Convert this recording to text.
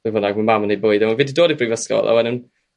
be bynnag ma' mam yn neud bywyd a fi 'di dod i'r brifysgol a wedyn